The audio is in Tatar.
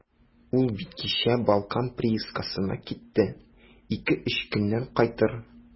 Ул бит кичә «Балкан» приискасына китте, ике-өч көннән кайтыр.